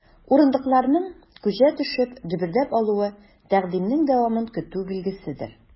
Урындыкларның, күчә төшеп, дөбердәп алуы— тәкъдимнең дәвамын көтү билгеседер.